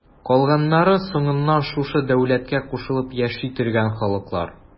Калганнары соңыннан шушы дәүләткә кушылып яши торган халыклар.